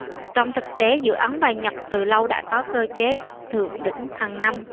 trong thực tế giữa ấn và nhật từ lâu đã có cơ chế gặp thượng đỉnh hằng năm